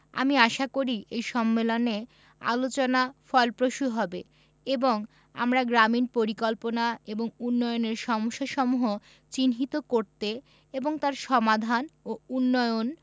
আমি আশা করি এ সম্মেলনে আলোচনা ফলপ্রসূ হবে এবং আমরা গ্রামীন পরিকল্পনা এবং উন্নয়নের সমস্যাসমূহ পরিচিহ্নিত করতে এবং তার সমাধান ও উন্নয়ন